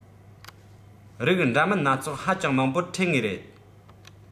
རིགས འདྲ མིན སྣ ཚོགས ཧ ཅང མང པོར འཕྲད ངེས རེད